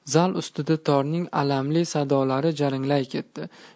zal ustida torning alamli sadolari jaranglay ketdi